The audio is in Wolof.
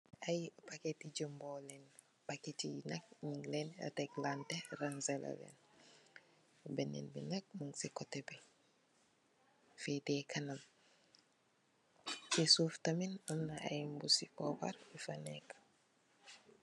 Ay packet ti jumbo len, packet nyung len teklante ,rang selen. Benen bi nak mung ci koteh bi fi de kanam ci suff tamit ama aye mbosi pubarr yufa neka